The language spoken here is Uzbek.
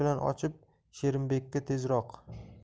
bilan ochib sherimbekka tezroq